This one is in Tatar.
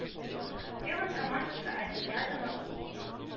Девон командасы олимпиаданың